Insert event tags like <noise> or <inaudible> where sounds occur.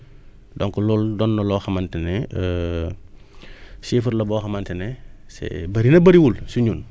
donc loolu doon na loo xamante ne <hesitation> <breath> chiffre la boo xamante ne c' bëri na bëriwul si ñun